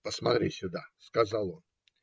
- Посмотри сюда, - сказал он.